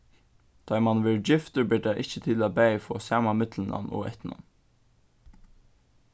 tá ið mann verður giftur ber tað ikki til at bæði fáa sama millumnavn og eftirnavn